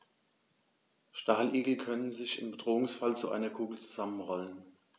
Stacheligel können sich im Bedrohungsfall zu einer Kugel zusammenrollen.